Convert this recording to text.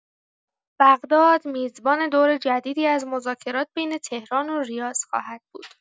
بغداد، میزبان دور جدیدی از مذاکرات بین تهران و ریاض خواهد بود.